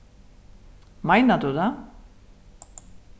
meinar tú tað